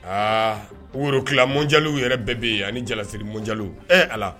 Aa worotila mondial 'u bɛ yen mariage mondial 'u bɛ yen